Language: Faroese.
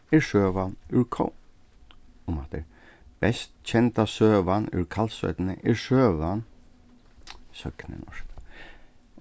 er søgan úr umaftur best kenda søgan úr kalsoynni er søgan søgnin orsaka